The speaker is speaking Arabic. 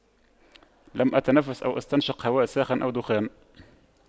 لم أتنفس أو استنشق هواء ساخن أو دخان